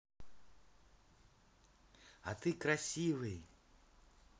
а ты красивый